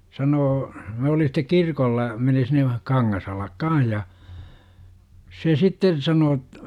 sanoi ne oli sitten kirkolla meni sinne Kangasalle kanssa ja se sitten sanoi jotta